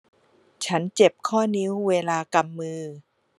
ฉันเจ็บข้อนิ้วเวลากำมือ